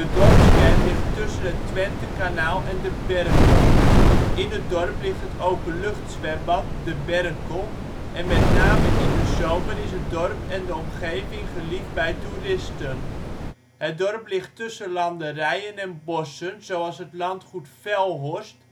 dorpskern ligt tussen het Twentekanaal en de Berkel. In het dorp ligt het openluchtzwembad ' de Berkel ' en met name in de zomer is het dorp en de omgeving geliefd bij toeristen. Het dorp ligt tussen landerijen en bossen zoals het landgoed Velhorst